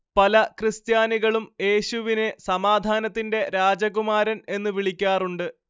പല ക്രിസ്ത്യാനികളും യേശുവിനെ സമാധാനത്തിന്റെ രാജകുമാരൻ എന്നു വിളിക്കാറുണ്ട്